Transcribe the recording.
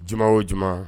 Jama o jama